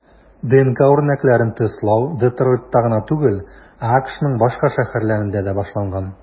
ДНК үрнәкләрен тестлау Детройтта гына түгел, ә АКШның башка шәһәрләрендә дә башланган.